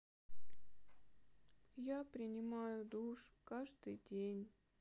я принимаю душ каждый день